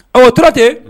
Ɔ otora ten